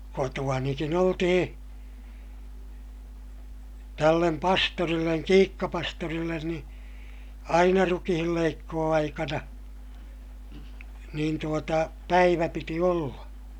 kotoanikin oltiin tälle pastorille Kiikka-pastorille niin aina rukiinleikkuuaikana niin tuota päivä piti olla